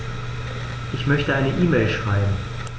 Ich möchte eine E-Mail schreiben.